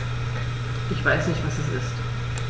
Ich weiß nicht, was das ist.